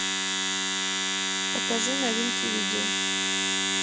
покажи новинки видео